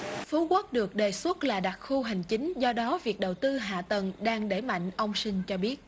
phú quốc được đề xuất là đặc khu hành chính do đó việc đầu tư hạ tầng đang đẩy mạnh ông sinh cho biết